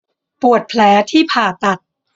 ปวดแผลที่ผ่าตัด